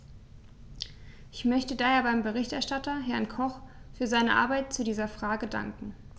Ich möchte daher dem Berichterstatter, Herrn Koch, für seine Arbeit zu dieser Frage danken.